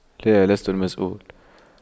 لا لست المسؤول